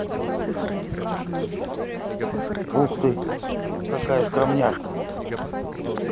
ух ты какая скромняшка